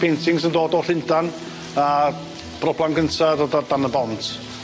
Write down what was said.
Beintings yn dod o Llundan a broblam gynta ddod ar dan y bont.